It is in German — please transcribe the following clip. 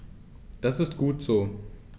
Das ist gut so.